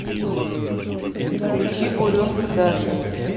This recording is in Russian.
включи буренка даша